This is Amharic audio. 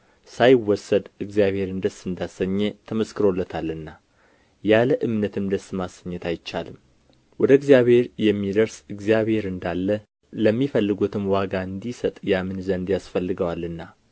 ሳይወሰድ እግዚአብሔርን ደስ እንዳሰኘ ተመስክሮለታልና ያለ እምነትም ደስ ማሰኘት አይቻልም ወደ እግዚአብሔር የሚደርስ እግዚአብሔር እንዳለ ለሚፈልጉትም ዋጋ እንዲሰጥ ያምን ዘንድ ያስፈልገዋልና